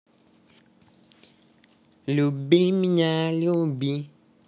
люби меня люби